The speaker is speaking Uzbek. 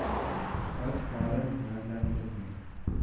och qorin mazani bilmaydi